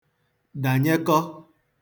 dànyekọ